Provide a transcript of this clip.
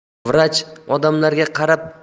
vrach odamlarga qarab